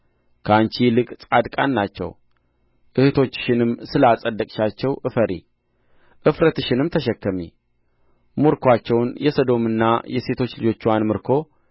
ከአንቺ ይልቅ ጻድቃን ናቸው እኅቶችሽንም ስለ አጸደቅሻቸው እፈሪ እፍረትሽንም ተሸከሚ ምርኮአቸውን የሰዶምና የሴቶች ልጆችዋን ምርኮ